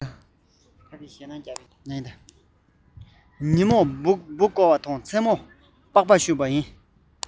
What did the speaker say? ཉིན དཀར འབུ བརྐོས མཚན མོར པགས པ བཤུས